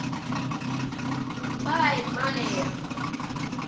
поймали